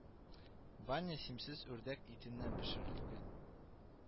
Ваня симез үрдәк штеннән пешерелгән